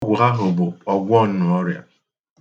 Ọgwụ ahụ bụ ọgwọ nnụ ọrịa.